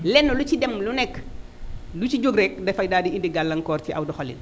lenn lu ci dem lu nekk lu ci jóg rek dafay daal di indi gàllankoor ci aw doxalin